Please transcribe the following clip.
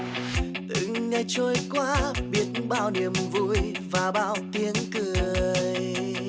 từng ngày trôi qua biết bao niềm vui và bao tiếng cười